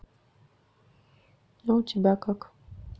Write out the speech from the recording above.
а у тебя как